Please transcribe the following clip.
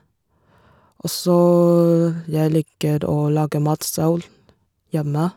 Og så jeg liker å lage mat selv, hjemme.